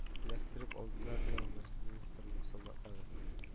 Эләктереп алдылар, ди, аны министрның солдатлары